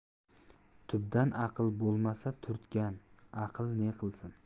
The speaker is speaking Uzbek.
tubdan aql bo'lmasa turtgan aql ne qilsin